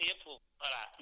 nga commencer góob